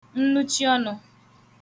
nnuchiọnụ